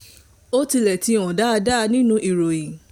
"Ó tilẹ̀ ti hàn dáadáa ní inú ìròyìn.